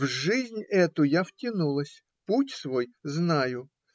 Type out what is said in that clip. В жизнь эту я втянулась, путь свой знаю.